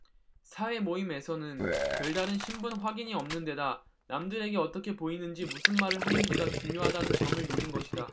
사회모임에서는 별다른 신분 확인이 없는 데다 남들에게 어떻게 보이는지 무슨 말을 하는지가 중요하다는 점을 노린 것이다